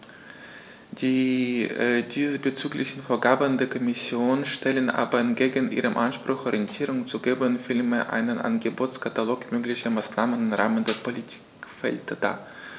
Die diesbezüglichen Vorgaben der Kommission stellen aber entgegen ihrem Anspruch, Orientierung zu geben, vielmehr einen Angebotskatalog möglicher Maßnahmen im Rahmen der Politikfelder dar.